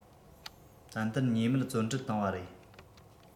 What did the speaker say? ཏན ཏན ཉེས མེད བཙོན འགྲོལ བཏང བ རེད